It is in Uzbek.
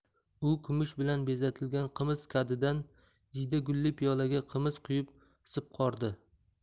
u kumush bilan bezatilgan qimiz kadidan jiyda gulli piyolaga qimiz quyib sipqordi